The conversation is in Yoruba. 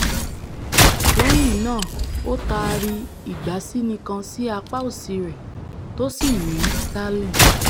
Lẹ́yìn náà ó taari ìgbásíni kan sí apá òsì rẹ̀, tósì rí Sterling.